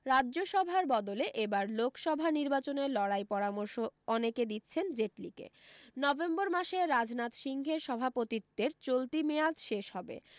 রাজ্যসভার বদলে এ বার লোকসভা নির্বাচনে লড়ার পরামর্শ অনেকে দিচ্ছেন জেটলিকে নভেম্বর মাসে রাজনাথ সিংহের সভাপতিত্বের চলতি মেয়াদ শেষ হবে